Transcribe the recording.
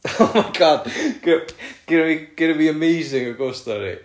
oh my god gy- gynno fi... gynno fi amazing o ghost story